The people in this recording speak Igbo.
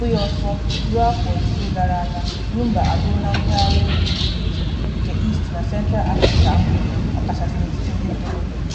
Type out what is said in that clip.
Gbapụ ya ọsọ ruo afọ ise gara aga, Rhumba abụrụla mpaghara egwu puru iche nke East na Central Africa a ma ama, ọkachasị n'etiti ndị ntorobịa.